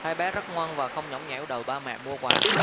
hai bé rất ngoan và không nhõng nhẽo đòi ba mẹ mua quà